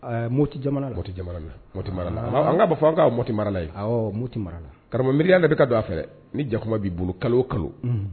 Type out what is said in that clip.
Moti jamana an kaa fɔ an ka moti mararala moti marala karamɔgɔma miiriya yɛrɛ bɛ ka don a fɛ ni jakuma bɛ' bolo kalo kalo